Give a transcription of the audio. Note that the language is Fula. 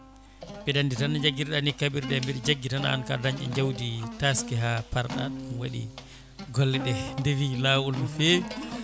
mbiɗe andi tan no jagguirɗa ni kaɓirɗe mbiɗe jaggui tan an ka dañƴo jawdi taske ha parɗa ɗum waɗi golleɗe deewi lawol no fewi